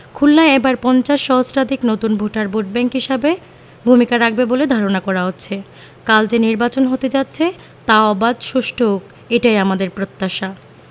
খুলনায় এবার ৫০ সহস্রাধিক নতুন ভোটার ভোটব্যাংক হিসাবে ভূমিকা রাখবে বলে ধারণা করা হচ্ছে কাল যে নির্বাচন হতে যাচ্ছে তা অবাধ সুষ্ঠু হোক এটাই আমাদের প্রত্যাশা